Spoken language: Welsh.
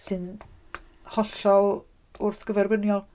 Sy'n hollol wrthgyferbyniol.